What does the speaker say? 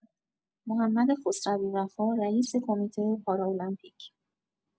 محمد خسروی وفا رئیس کمیته پارالمپیک